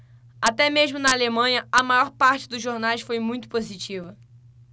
até mesmo na alemanha a maior parte dos jornais foi muito positiva